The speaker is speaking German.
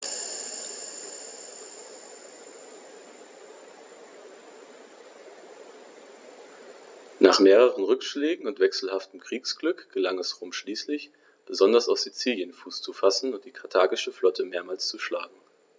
Nach mehreren Rückschlägen und wechselhaftem Kriegsglück gelang es Rom schließlich, besonders auf Sizilien Fuß zu fassen und die karthagische Flotte mehrmals zu schlagen.